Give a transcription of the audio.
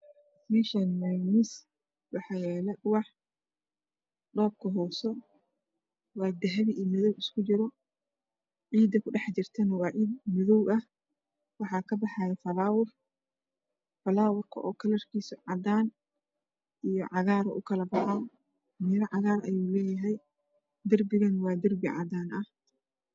Meeshaan waa miis waxaa yaalo ubax kalarkiisu madow iyo dahabi. Ciida ay kudhex jirtana waa madow waxaa kabaxaayo falaawar kalarkiisu waa cadaan iyo cagaar miro cagaar ah ayuu leedahay darbiganaa waa cadaan.